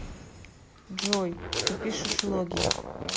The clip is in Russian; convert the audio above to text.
джой ты пишешь логи